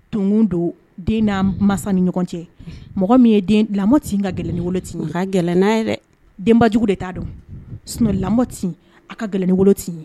Tkun don den n' masa ni ɲɔgɔn cɛ mɔgɔ min ye den lamɔ tɛ ka gɛlɛn wolo'i ka gɛlɛn n' yɛrɛ denbajugu de t'a don sun lamɔbɔ tin a ka gɛlɛnin wolo'i ye